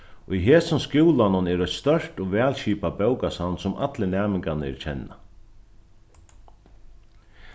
í hesum skúlanum er eitt stórt og væl skipað bókasavn sum allir næmingarnir kenna